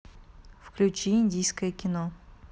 включи индийское кино